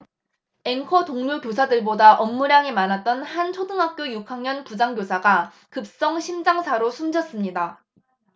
앵커 동료 교사들보다 업무량이 많았던 한 초등학교 육 학년 부장교사가 급성심장사로 숨졌습니다